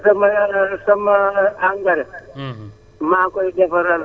man li ëpp ci li may def ci sama sama engrais